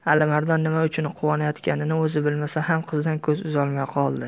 alimardon nima uchun quvonayotganini o'zi bilmasa ham qizdan ko'z uzolmay qoldi